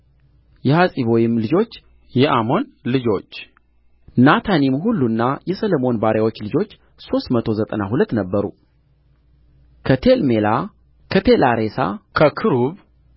የሐፂቦይም ልጆች የአሞን ልጆች ናታኒም ሁሉና የሰሎሞን ባሪያዎች ልጆች ሦስት መቶ ዘጠና ሁለት ነበሩ ከቴልሜላ ከቴላሬሳ ከክሩብ